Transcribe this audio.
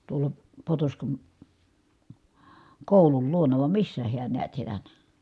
tuolla Potoskan koulun luona vai missä hän näet siellä